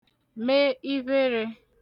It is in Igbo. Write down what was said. me ivherē